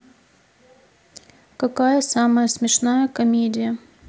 какая самая смешная комедия